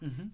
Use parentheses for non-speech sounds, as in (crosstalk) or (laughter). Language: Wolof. (hesitation) (hesitation)